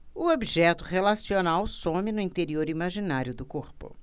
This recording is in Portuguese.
o objeto relacional some no interior imaginário do corpo